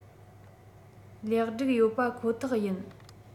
ལེགས སྒྲིག ཡོད པ ཁོ ཐག ཡིན